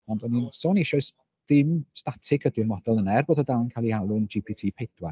Ond o'n i'n sôn eisoes dim statig ydy'r model yna er bod o dal yn cael ei alw'n GPT pedwar.